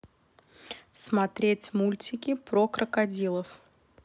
смотреть мультики про крокодилов